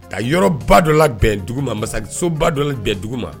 Ka yɔrɔba dɔ bɛn dugu ma masakɛsoba dɔ bɛn dugu ma